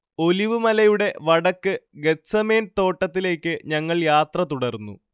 olive മലയുടെ വടക്ക് Gethsemane തോട്ടത്തിലേക്ക് ഞങ്ങൾ യാത്ര തുടർന്നു